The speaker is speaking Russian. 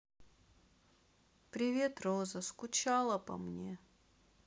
привет роза скучала по мне